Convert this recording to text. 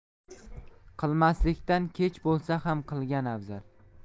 qilmaslikdan kech bo'lsa ham qilgan afzal